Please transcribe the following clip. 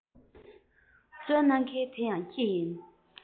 བསྩོལ གནང མཁན དེ ཡང ཁྱེད ཡིན